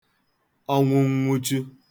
ọnwụ nnwụchu